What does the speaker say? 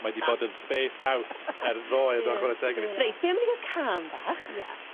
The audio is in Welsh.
Mae 'di bod yn spaced out ers ddoe do chwara teg iddi. Reit, be' am i ni ga'l cân fach? Ia.